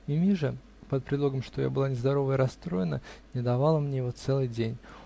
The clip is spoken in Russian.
Мими же, под предлогом, что я была нездорова и расстроена, не давала мне его целый день.